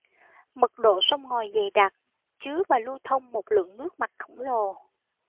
mật độ sông ngòi dày đặc chứa và lưu thông một lượng nước mặt khổng lồ